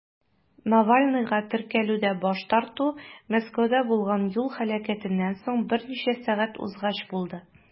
Навальныйга теркәлүдә баш тарту Мәскәүдә булган юл һәлакәтеннән соң берничә сәгать узгач булды.